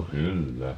kyllä